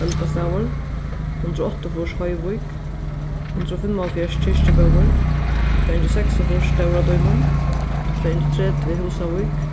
velbastaður hundrað og áttaogfýrs hoyvík hundrað og fimmoghálvfjerðs kirkjubøur tvey hundrað og seksogfýrs stóra dímun tvey hundrað og tretivu húsavík